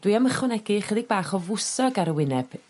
dwi am ychwanegu ychydig bach o fwsog ar y wyneb